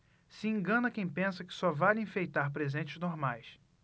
se engana quem pensa que só vale enfeitar presentes normais